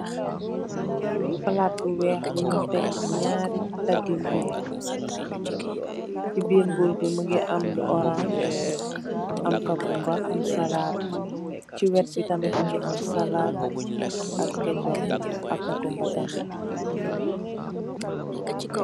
Palat bu wèèx bu ñi tek ñaari daggi mburu ci biir mburu bi mugii am lu orans am kakumba am salad ci wet bi tam mugii am salad ak kecup ak kakumba tamit.